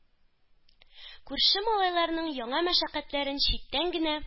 Күрше малайларының яңа мәшәкатьләрен читтән генә